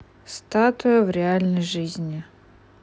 статуя в реальной жизни